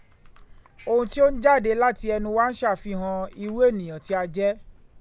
Ohun tí ó ń jáde láti ẹnu wa ń ṣàfihàn irú ènìyàn tí a jẹ́.